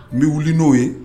N bɛ wuli n'o ye